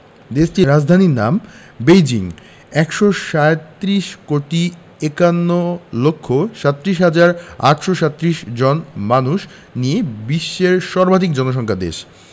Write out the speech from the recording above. দেশটির রাজধানীর নাম বেইজিং ১৩৭ কোটি ৫১ লক্ষ ৩৭ হাজার ৮৩৭ জন মানুষ নিয়ে বিশ্বের সর্বাধিক জনসংখ্যার দেশ